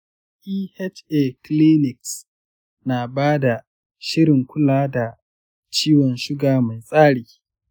eha clinics na ba da shirin kula da ciwon suga mai tsari.